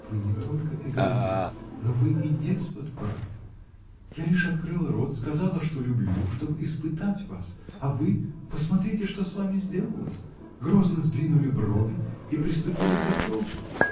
— Вы не только эгоист, но вы и деспот, брат: я лишь открыла рот, сказала, что люблю — чтоб испытать вас, а вы — посмотрите, что с вами сделалось: грозно сдвинули брови и приступили к допросу.